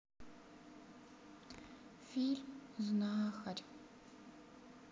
фильм знахарь